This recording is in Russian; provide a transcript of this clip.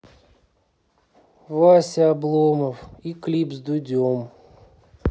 вася обломов и клип с дудем